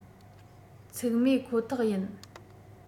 འཚིག རྨས ཁོ ཐག ཡིན